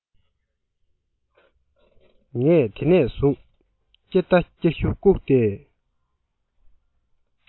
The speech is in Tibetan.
ངས དེ ནས བཟུང སྐྱེར མདའ སྐྱེར གཞུ བཀུག སྟེ